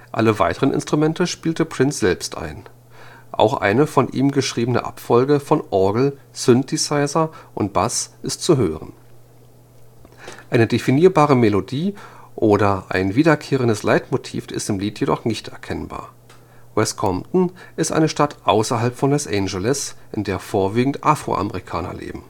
Alle weiteren Instrumente spielte Prince selbst ein, auch eine von ihm gespielte Abfolge von Orgel, Synthesizer und Bass ist zu hören. Eine definierbare Melodie oder ein wiederkehrendes Leitmotiv ist im Lied jedoch nicht erkennbar. West Compton ist eine Stadt außerhalb von Los Angeles, in der vorwiegend Afroamerikaner leben